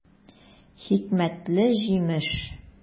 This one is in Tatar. Хикмәтле җимеш!